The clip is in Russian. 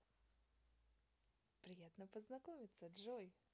приятно познакомиться джой